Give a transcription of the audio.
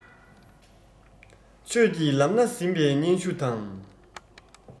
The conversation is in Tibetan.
ཆོས ཀྱི ལམ སྣ ཟིན པའི སྙན ཞུ དང